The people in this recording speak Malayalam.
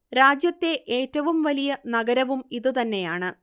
രാജ്യത്തെ ഏറ്റവും വലിയ നഗരവും ഇത് തന്നെയാണ്